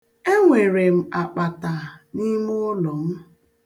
Enwere m akpata n'ime ụlọ m.